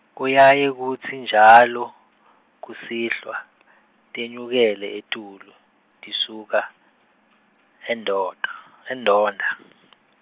kuyaye kutsi njalo, kusihlwa , tenyukele etulu, tisuka , eNdonda eNdonda .